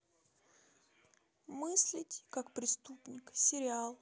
мыслить как преступник сериал